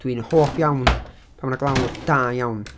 Dwi'n hoff iawn pan ma' 'na glawr da iawn.